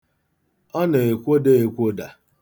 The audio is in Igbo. Ọ na-ekwoda ekwoda.